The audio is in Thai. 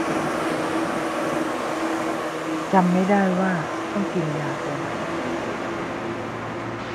จำไม่ได้ว่าต้องกินยาตัวไหน